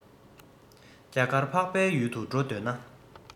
རྒྱ གར འཕགས པའི ཡུལ དུ འགྲོ འདོད ན